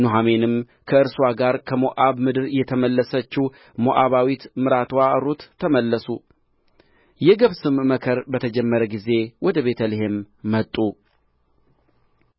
ኑኃሚንም ከእርስዋም ጋር ከሞዓብ ምድር የተመለሰችው ሞዓባዊቱ ምራትዋ ሩት ተመለሱ የገብስም መከር በተጀመረ ጊዜ ወደ ቤተልሔም መጡ